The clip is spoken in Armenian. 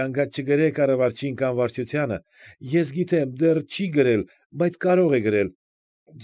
Գանգատ չգրե կառավարչին կամ վարչությանը։ Ես գիտեմ դեռ չի գրել, բայց կարող է գրել։